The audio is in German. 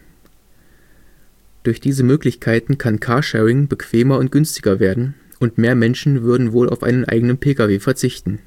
diese Möglichkeiten kann Carsharing bequemer und günstiger werden, und mehr Menschen würden wohl auf einen eigenen Pkw verzichten